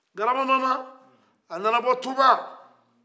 grabamama a nana bɔ tuba